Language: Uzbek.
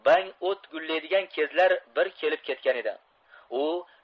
bang o't gullaydigan kezlar bir kelib ketgan edi